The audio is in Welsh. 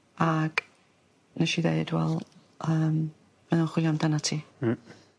Ag nesh i ddeud wel yym mae o'n chwilio amdanat ti. Hmm.